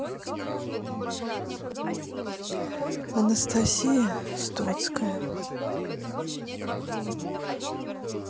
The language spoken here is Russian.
анастасия стоцкая